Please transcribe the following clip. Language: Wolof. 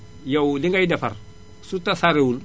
yow li ngay defar su tasaaroowul